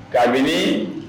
Kabinimini